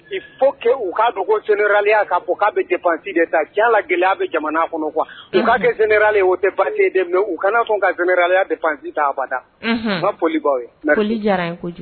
Il faut que u k'a dɔn ko général ya k'a fɔ k'a be dépense de ta tiɲa la gɛlɛya bɛ jamana kɔnɔ quoi unhun u k'a kɛ géneral ye o tɛ baasi ye dɛ mais u kana sɔn ka géneral ya depense ta abada unhun ŋa foli b'aw ye foli diyar'an ye kojugu